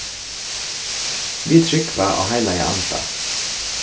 vit trúgva á heilagan anda